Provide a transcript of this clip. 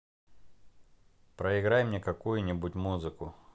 проиграй мне какую нибудь музыку